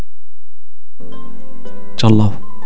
الله